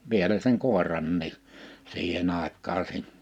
vielä sen koirankin siihen aikaan niin